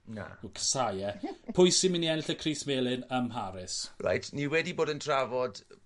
Na. Ma'n casau e. Pwy sy myn' i ennill y crys felyn ym Mharis? Reit ni wedi bod yn trafod